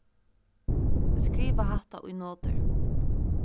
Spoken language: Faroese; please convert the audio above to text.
skriva hatta í notur